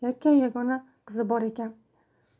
yakkayu yagona qizi bor ekan